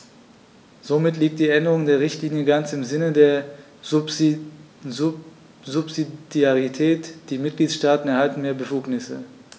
Somit liegt die Änderung der Richtlinie ganz im Sinne der Subsidiarität; die Mitgliedstaaten erhalten mehr Befugnisse.